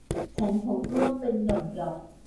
ฉันผมร่วงเป็นหย่อมหย่อม